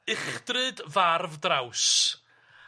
Uchdryd farf draws.